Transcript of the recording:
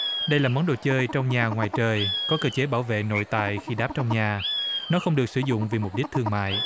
đây là món đồ chơi trong nhà ngoài trời có cơ chế bảo vệ nội tại khi đáp trong nhà nó không được sử dụng vì mục đích thương mại